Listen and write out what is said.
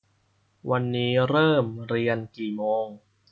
วันนี้เริ่มเรียนกี่โมง